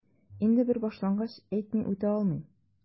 Инде бер башлангач, әйтми үтә алмыйм...